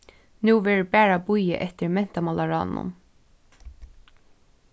nú verður bara bíðað eftir mentamálaráðnum